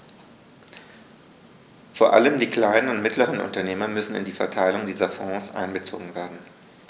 Vor allem die kleinen und mittleren Unternehmer müssen in die Verteilung dieser Fonds einbezogen werden.